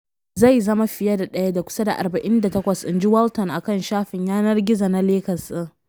"Zai zama fiye da daya da kusa da 48" inji Walton a kan shafin yanar gizo na Lakers din.